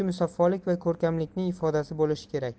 musaffolik va ko'rkamlikning ifodasi bo'lishi kerak